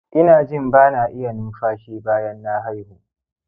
inajin bana iya numfashi bayan na haihu